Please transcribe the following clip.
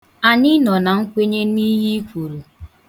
Anyi nọ na nkwenye na ihe i kwuru.